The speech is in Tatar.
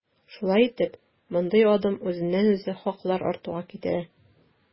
Шулай итеп, мондый адым үзеннән-үзе хаклар артуга китерә.